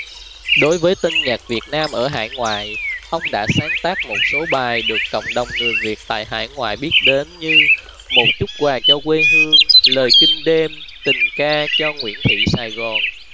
đối với tân nhạc việt nam ở hải ngoại ông đã sáng tác một số bài được cộng đồng người việt tại hải ngoại biết đến như một chút quà cho quê hương lời kinh đêm tình ca cho nguyễn thị sài gòn